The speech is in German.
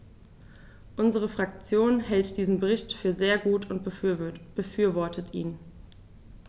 Unsere Fraktion hält diesen Bericht für sehr gut und befürwortet ihn.